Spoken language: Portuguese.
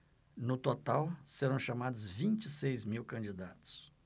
no total serão chamados vinte e seis mil candidatos